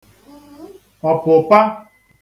ọ̀pụ̀pa